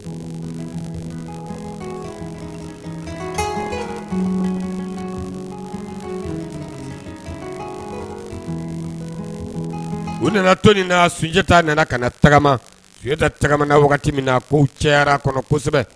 U nana to na sunjatajitaa nana ka tagama u' da tagamana na wagati min na ko cɛyara kɔnɔ kosɛbɛ